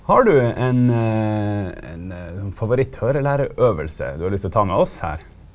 har du ein ein favoritt høyrelæreøving du har lyst å ta med oss her?